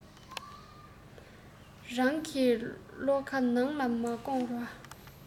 རང གི བློ ཁ ནང ལ མ བསྐོར བར